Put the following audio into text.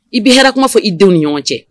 I be hɛrɛ kuma fɔ i denw ni ɲɔgɔn cɛ